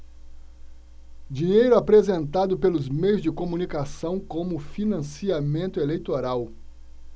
dinheiro apresentado pelos meios de comunicação como financiamento eleitoral